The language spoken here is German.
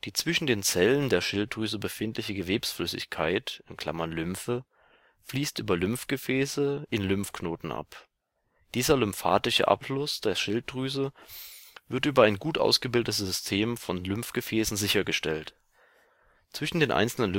zwischen den Zellen der Schilddrüse befindliche Gewebsflüssigkeit (Lymphe) fließt über Lymphgefäße in Lymphknoten ab. Dieser lymphatische Abfluss der Schilddrüse wird über ein gut ausgebildetes System von Lymphgefäßen sichergestellt. Zwischen den einzelnen